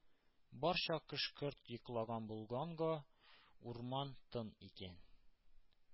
Барча кош-корт йоклаган булганга, урман тын икән.